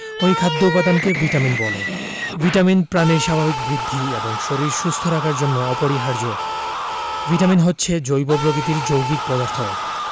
ঐ খাদ্য উপাদানকে ভিটামিন বলে ভিটামিন প্রাণীর স্বাভাবিক বৃদ্ধি এবং শরীর সুস্থ রাখার জন্য অপরিহার্য ভিটামিন হচ্ছে জৈব প্রকৃতির যৌগিক পদার্থ